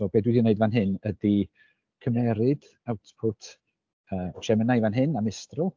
so be dwi 'di wneud fan hyn ydy cymeryd output yy Gemini fan hyn a Mistral.